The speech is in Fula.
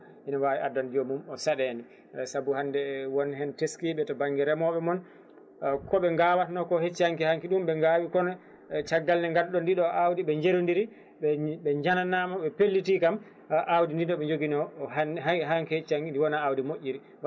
ina wawi andande joomum saɗede saabu hande won hen teskiɓe to banggue remoɓe moon kooɓe gawatno ko yecci hankki hankki ɗum ɓe gawi kono caggal nde gadduɗon ndiɗo awdi ɓe jerodiri ɓe jenanama ɓe pelliti kam awdi ndi ɗo ɓe joguino hankki e yecci hankki ndi wona awdi moƴƴiri